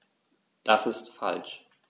Das ist falsch.